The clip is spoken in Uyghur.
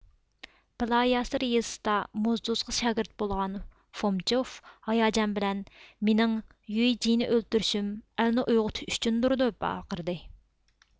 بىلاياسىر يېزىسىدا موزدوزغا شاگىرت بولغان فومىچوف ھاياجان بىلەن مېنىڭ يۇي جىنى ئۆلتۈرۈشۈم ئەلنى ئويغىتىش ئۈچۈندۇر دەپ ۋارقىرىدى